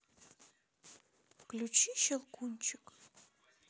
включи щелкунчик